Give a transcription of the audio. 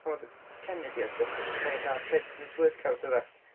pan oedd Kennedy a stwff oeddach chdi'n cael president's workout doeddach?